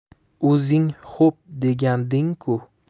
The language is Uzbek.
o'zing xo'p deganding ku